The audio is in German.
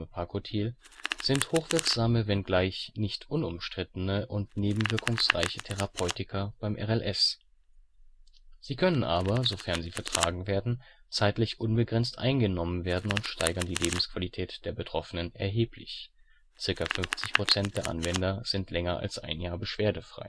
Parkotil ®) sind hochwirksame, wenngleich nicht unumstrittene und nebenwirkungsreiche Therapeutika beim RLS. Sie können aber, sofern sie vertragen werden, zeitlich unbegrenzt eingenommen werden und steigern die Lebensqualität der Betroffenen erheblich (ca. 50 % der Anwender sind länger als ein Jahr beschwerdefrei